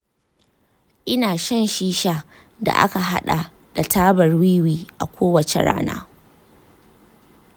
ina shan shisha da aka haɗa da tabar wiwi a kowace rana.